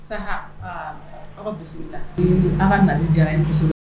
Sa aa aw bisimila la ee ala ka nali jara ye muso